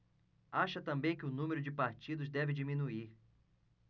acha também que o número de partidos deve diminuir